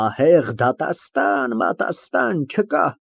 Ահեղ դատաստան֊մատաստան չկա։